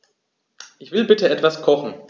Ich will bitte etwas kochen.